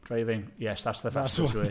Driving. Yes, that's the fastest way.